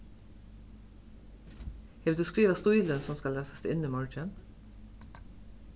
hevur tú skrivað stílin sum skal latast inn í morgin